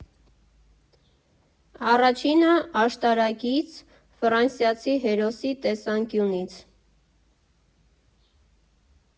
Առաջինը՝ աշտարակից՝ ֆրանսիացի հերոսի տեսանկյունից։